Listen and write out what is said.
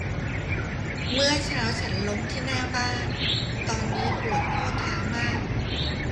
เมื่อเช้าฉันล้มที่หน้าบ้านตอนนี้ปวดข้อเท้ามาก